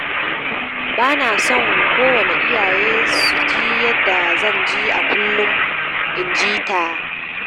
"Ba na son kowane iyaye su ji yadda zan ji a kullun," in ji ta.